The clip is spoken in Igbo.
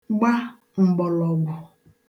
gba m̀gbọ̀lọ̀gwụ̀